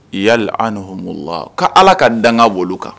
Yalim ko ala ka danga wolo kan